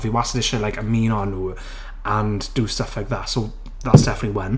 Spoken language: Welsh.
Fi wastad eisiau like ymuno â nhw, and do stuff like that. So that's definitely one.